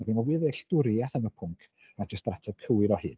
Ma' gynna fo fwy o ddealltwriaeth am y pwnc na jyst yr ateb cywir o hyd.